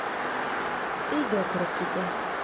Өйгә кереп китә.